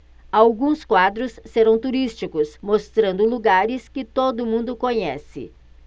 alguns quadros serão turísticos mostrando lugares que todo mundo conhece